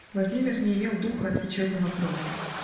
Владимир не имел духа отвечать на вопросы.